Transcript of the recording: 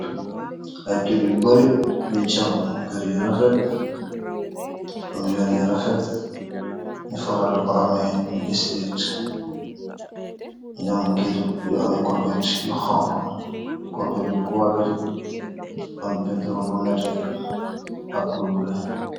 Ay kèr yu bari yuñ sampu kèr yu raffet am yoon yu raffet ni faral di ko xamé ci state ñi am kér yu ame korget yu xonxu korget yu kuwaliti am pentir bu netteh ak lu bula.